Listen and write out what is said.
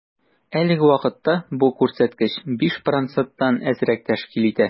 Әлеге вакытта бу күрсәткеч 5 проценттан азрак тәшкил итә.